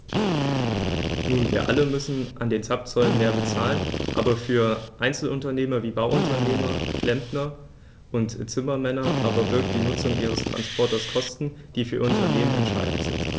Nun wir alle müssen an den Zapfsäulen mehr bezahlen, aber für Einzelunternehmer wie Bauunternehmer, Klempner und Zimmermänner aber birgt die Nutzung ihres Transporters Kosten, die für ihr Unternehmen entscheidend sind.